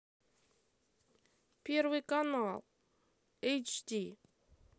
первый канал эйч ди